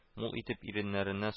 Мул итеп иреннәренә